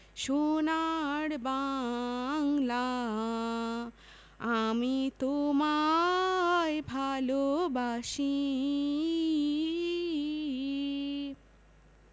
সোনার বাংলা আমি তোমায় ভালবাসি